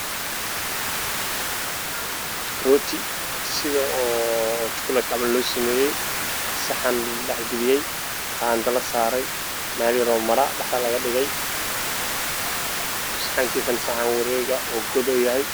Meeshaan waxaa yaalla saxan cadaan ah waxaa ku jiro hilib karsan oo geduusan waxaa ku dhex jirta qaando